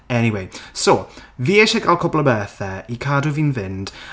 Eniwe, so fi eisiau cael cwpl o bethau i cadw fi'n fynd...